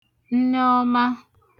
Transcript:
nneọma